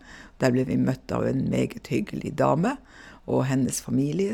Der ble vi møtt av en meget hyggelig dame og hennes familie.